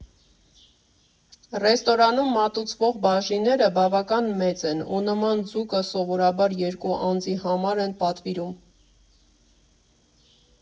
Ռեստորանում մատուցվող բաժինները բավական մեծ են, ու նման ձուկը սովորաբար երկու անձի համար են պատվիրում։